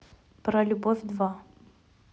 про любовь два